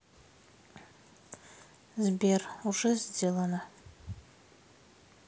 сбер уже сделано